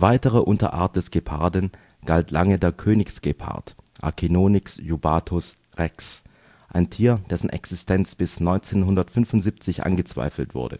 weitere Unterart des Geparden galt lange der Königsgepard (A. j. rex), ein Tier, dessen Existenz bis 1975 angezweifelt wurde.